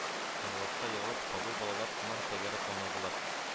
Караватка егылып сабый балалар сыман тәгәрәп аунадылар